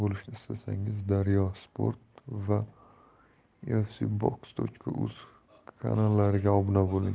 bo'lishni istasangiz daryo sport va ufcboxuz kanallariga obuna bo'ling